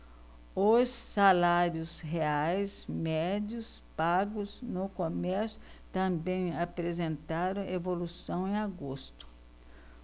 os salários reais médios pagos no comércio também apresentaram evolução em agosto